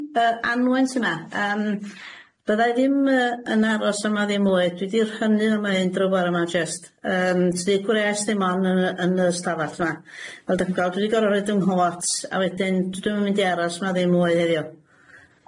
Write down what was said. Yndan. Anwen sy ma yym. Bydda i ddim yy yn aros yma ddim mwy dwi di rhynnu yma un dro bora ma'n jyst yym tydi gwres ddim on' yn y yn y y stafall ma. Fel dyfodol dwi di gor'o' roid yng nghot a wedyn dwi ddim yn mynd i aros ma' ddim mwy heddiw.